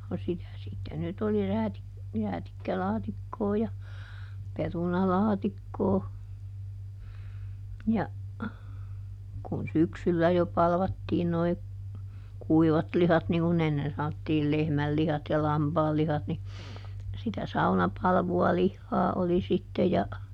no sitä sitten nyt oli - räätikkälaatikkoa ja perunalaatikkoa ja kun syksyllä jo palvattiin nuo kuivatlihat niin kuin ennen sanottiin lehmänlihat ja lampaanlihat niin sitä saunapalvua lihaa oli sitten ja